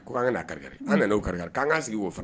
Ko an ka na karikari , an na no karikari kan ka sigi ko fana